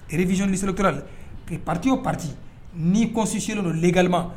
Rezlisiturali p pati o pati nii kɔnsisi don legalima